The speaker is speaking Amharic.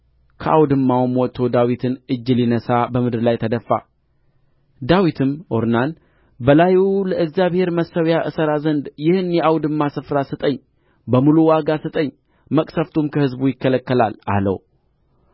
ከአውድማውም ወጥቶ ዳዊትን እጅ ሊነሣ በምድር ላይ ተደፋ ዳዊትም ኦርናን በላዩ ለእግዚአብሔር መሠዊያ እሠራ ዘንድ ይህን የአውድማ ስፍራ ስጠኝ በሙሉ ዋጋ ስጠኝ መቅሠፍቱን ከሕዝቡ ይከለከላል አለው